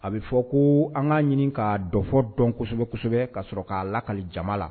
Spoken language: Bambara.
A bi fɔ ko an ka ɲini ka dɔfɛ dɔn kosɛbɛ ka sɔrɔ ka lakali jama la.